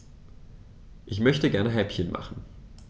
Ich möchte gerne Häppchen machen.